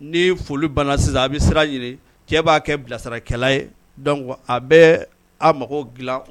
Ni foli banna sisan a bɛ sira ɲini cɛ b'a kɛ bilasarakɛla ye dɔn a bɛ a mago dilan